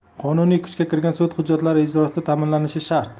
qonuniy kuchga kirgan sud hujjatlari ijrosi ta'minlanishi shart